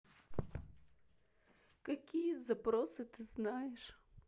какие запросы ты знаешь